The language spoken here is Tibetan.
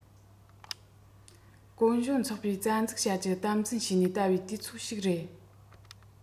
གུང གཞོན ཚོགས པའི རྩ འཛུགས བྱ རྒྱུ དམ འཛིན བྱས ནས བལྟ བའི དུས ཚོད ཞིག རེད